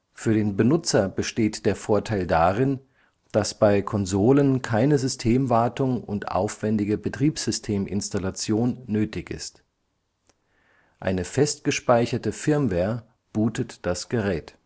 Für den Benutzer besteht der Vorteil darin, dass bei Konsolen keine Systemwartung und aufwändige Betriebssysteminstallation nötig ist. Eine fest gespeicherte Firmware bootet das Gerät